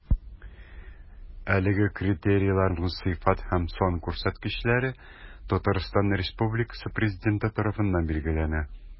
Әлеге критерийларның сыйфат һәм сан күрсәткечләре Татарстан Республикасы Президенты тарафыннан билгеләнә.